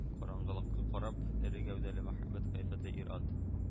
Караңгылыкка карап, эре гәүдәле, мәһабәт кыяфәтле ир-ат